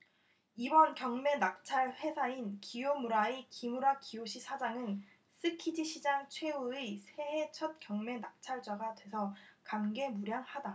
이번 경매 낙찰 회사인 기요무라의 기무라 기요시 사장은 쓰키지시장 최후의 새해 첫경매 낙찰자가 돼서 감개무량하다